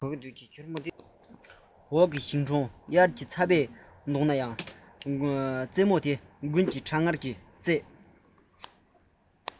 འོག གི ཞིང གྲོང དབྱར གྱི ཚ བས གདུང ནའང རྩེ མོར དགུན གྱི གྲང ངར གྱིས གཙེས